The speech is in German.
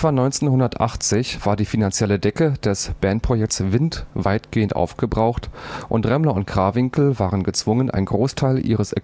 1980 war die finanzielle Decke des Bandprojekts „ Wind “weitgehend aufgebraucht, und Remmler und Krawinkel waren gezwungen, einen Großteil ihres